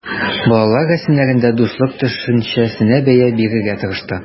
Балалар рәсемнәрендә дуслык төшенчәсенә бәя бирергә тырышты.